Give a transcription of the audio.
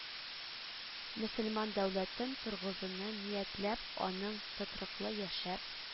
Мөселман дәүләтен торгызуны ниятләп, аның тотрыклы яшәп